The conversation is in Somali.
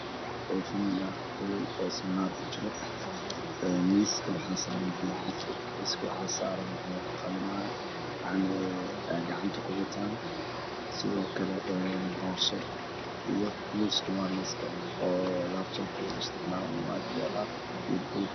Oo family ah oo siminaar ku jiro een miiska waxaa saaran biyo caafi iyo miiska waxaa saaran qalimaan yacni gacanta ku wataan sidoo kale een boorso iyo miiska waa la iska dhigay oo laabtoobk ay ku isticmaalan wuu agyaala iyo buug